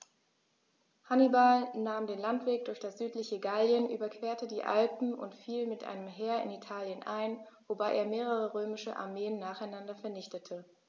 Hannibal nahm den Landweg durch das südliche Gallien, überquerte die Alpen und fiel mit einem Heer in Italien ein, wobei er mehrere römische Armeen nacheinander vernichtete.